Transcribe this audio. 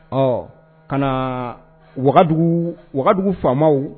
Ɔ ka na wagadu wagadu faamaw